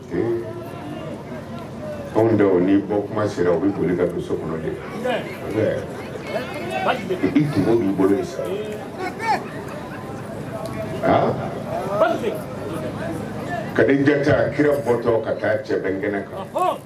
Anw ni bɔ kuma sera u bɛ boli ka dusu so kɔnɔ'i bolo sisan aa ka ja kira bɔtɔ ka kɛ cɛ kɛnɛ kan